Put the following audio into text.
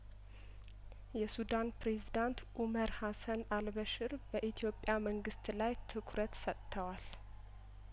የሱዳን ፕሬዝዳንት ኡመር ሀሰን አልበሽር በኢትዮጵያ መንግስት ላይ ትኩረት ሰጥተዋል